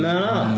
Mae o'n od.